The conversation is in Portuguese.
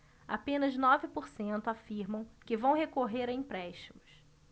apenas nove por cento afirmam que vão recorrer a empréstimos